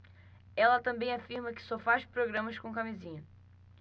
ela também afirma que só faz programas com camisinha